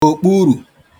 òkpurù